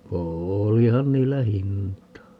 olihan niillä hintaa